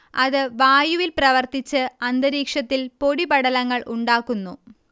അത് വായുവിൽ പ്രവർത്തിച്ച് അന്തരീക്ഷത്തിൽ പൊടിപടലങ്ങൾ ഉണ്ടാക്കുന്നു